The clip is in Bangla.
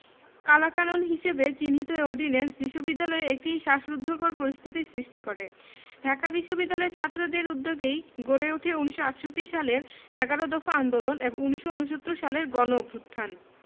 কালাকানুন হিসেবে চিহ্নিত এ অর্ডিন্যান্স বিশ্ববিদ্যালয়ে একটি শ্বাসরুদ্ধকর পরিস্থিতির সৃষ্টি করে ঢাকা বিশ্ববিদ্যালয়ের ছাত্রদের উদ্যোগেই গড়ে উঠে ১৯৬৮ সালের এগারো দফা আন্দোলন এবং ১৯৬৯ সালের গণঅভ্যুত্থান